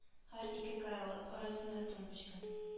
Һәр ике карават арасында тумбочка